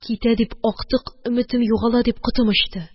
Китә дип, актык өметем югала дип котым очты